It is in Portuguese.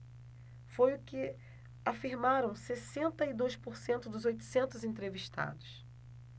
foi o que afirmaram sessenta e dois por cento dos oitocentos entrevistados